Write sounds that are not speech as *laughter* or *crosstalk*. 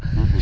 *noise* *hesitation* *hesitation*